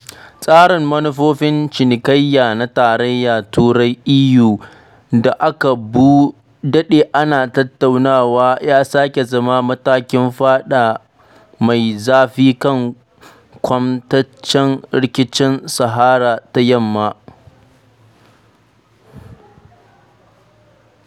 Tsarin manufofin cinikayya na Tarayyar Turai (EU) da aka daɗe ana tattaunawa ya sake zama matakin faɗa mai zafi kan kwantaccen rikicin Sahara ta Yamma.